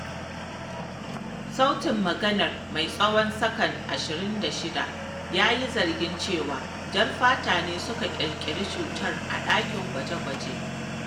Sautin maganar mai tsawon sakan 26 ya yi zargin cewa, jar fata ne suka ƙirƙiri cutar a ɗakin gwaje-gwaje.